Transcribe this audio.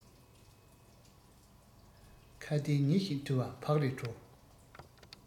ཁྭ ཏས ཉི ཤིག འཐུ བ བག རེ དྲོ